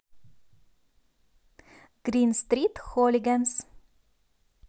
green street hooligans